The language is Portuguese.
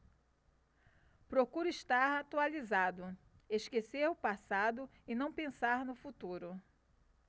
procuro estar atualizado esquecer o passado e não pensar no futuro